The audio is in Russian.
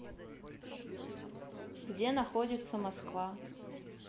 где находится москва